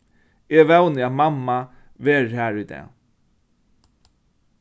eg vóni at mamma verður har í dag